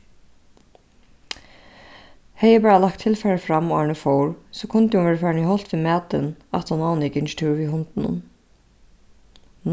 hevði eg bara lagt tilfarið fram áðrenn eg fór so kundi hon verið farin í holt við matin aftan á hon hevði gingið túr við hundinum